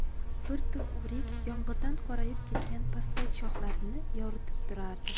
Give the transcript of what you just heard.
bir tup o'rik yomg'irdan qorayib ketgan pastak shoxlarini yoritib turardi